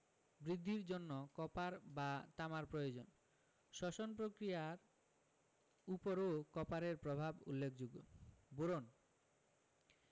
বৃদ্ধির জন্য কপার বা তামার প্রয়োজন শ্বসন পক্রিয়ার উপরও কপারের প্রভাব উল্লেখযোগ্য বোরন